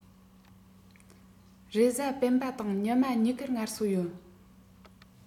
རེས གཟའ སྤེན པ དང ཉི མ གཉིས ཀར ངལ གསོ ཡོད